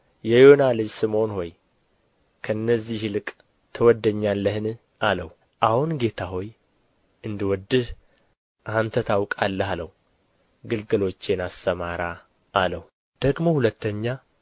የዮና ልጅ ስምዖን ሆይ ከእነዚህ ይልቅ ትወደኛለህን አለው አዎን ጌታ ሆይ እንድወድህ አንተ ታውቃለህ አለው ግልገሎቼን አሰማራ አለው ደግሞ ሁለተኛ